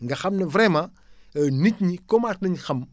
nga xam ne vraiment nit ñi commencé nañ xam